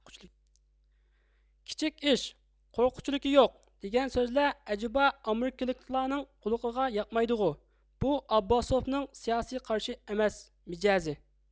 كىچىك ئىش قورققۇچىلىكى يوق دېگەن سۆزلەر ئەجەبا ئامېرىكىلىكلارنىڭ قۇلىقىغا ياقمايدۇغۇ بۇ ئابباسۇفنىڭ سىياسىي قارىشى ئەمەس مىجەزى